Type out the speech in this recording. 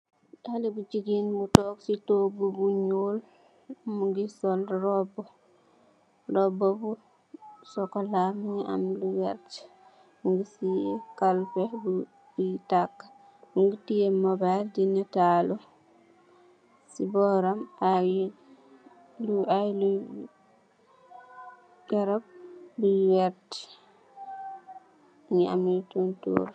Haleh bu jigeen tok ci tok ci toguh bu ñuul. Mungi sul robu, robu bi chocola mungi ame lu werta mung ci kalpeh buye takuh. Mungi teyeh mobile di natalu. Ci boram ay ay garap bu werta mungi am tontoor.